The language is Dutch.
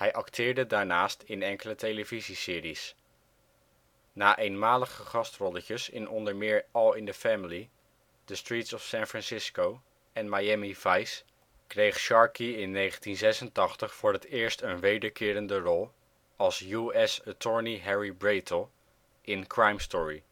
acteerde daarnaast in enkele televisieseries. Na eenmalige gastrolletjes in onder meer All in the Family, The Streets of San Francisco en Miami Vice kreeg Sharkey in 1986 voor het eerst een wederkerende rol als U.S. Attorney Harry Breitel in Crime Story